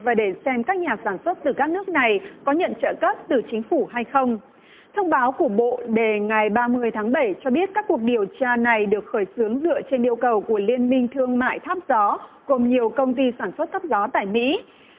và để xem các nhà sản xuất từ các nước này có nhận trợ cấp từ chính phủ hay không thông báo của bộ đề ngày ba mươi tháng bảy cho biết các cuộc điều tra này được khởi xướng dựa trên yêu cầu của liên minh thương mại tháp gió gồm nhiều công ty sản xuất tháp gió tại mỹ